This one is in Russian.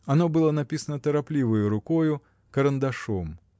Оно было написано торопливою рукою, карандашом.